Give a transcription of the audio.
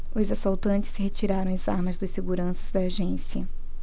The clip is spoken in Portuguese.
os assaltantes retiraram as armas dos seguranças da agência